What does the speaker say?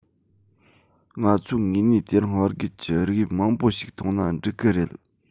ང ཚོས དངོས གནས དེ རིང བར བརྒལ གྱི རིགས དབྱིབས མང པོ ཞིག མཐོང ན འགྲིག གི རེད